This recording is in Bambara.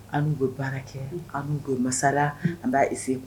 An bɛ baara kɛ an bɛ masala an b'